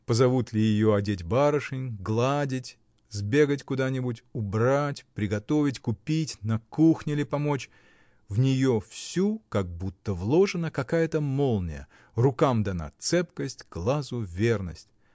Позовут ли ее одеть барышень, гладить, сбегать куда-нибудь, убрать, приготовить, купить, на кухне ли помочь: в нее всю как будто вложена какая-то молния, рукам дана цепкость, глазу верность.